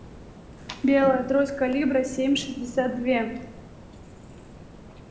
белая трость калибра семь шестьдесят две